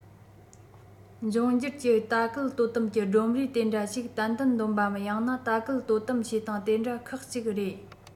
འབྱུང འགྱུར གྱི ལྟ སྐུལ དོ དམ གྱི སྒྲོམ གཞིའི དེ འདྲ ཞིག ཏན ཏན འདོན པའམ ཡང ན ལྟ སྐུལ དོ དམ བྱེད སྟངས དེ འདྲ ཁག གཅིག རེད